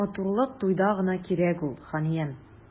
Матурлык туйда гына кирәк ул, ханиям.